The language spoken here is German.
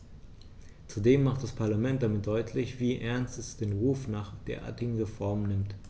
Zudem macht das Parlament damit deutlich, wie ernst es den Ruf nach derartigen Reformen nimmt.